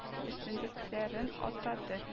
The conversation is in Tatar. Өстенлекләрен атады